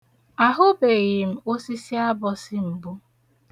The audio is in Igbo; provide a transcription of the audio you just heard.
Ahụbeghị m osisi abọsị mbụ.